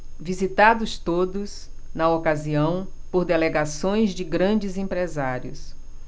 visitados todos na ocasião por delegações de grandes empresários